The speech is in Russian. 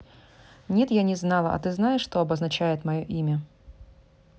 нет я не знала а ты знаешь что обозначает мое имя